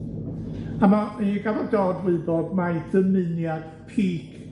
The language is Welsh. A ma- mi gafodd Dodd wybod mai dymuniad Peak